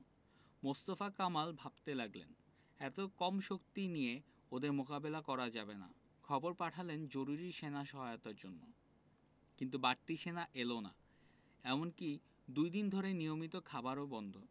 মোস্তফা কামাল ভাবতে লাগলেন এত কম শক্তি নিয়ে ওদের মোকাবিলা করা যাবে না খবর পাঠালেন জরুরি সেনা সহায়তার জন্য কিন্তু বাড়তি সেনা এলো না এমনকি দুই দিন ধরে নিয়মিত খাবারও বন্ধ